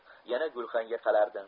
yana gulxanga qalardi